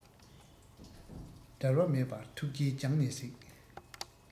འབྲལ བ མེད པར ཐུགས རྗེས རྒྱང ནས གཟིགས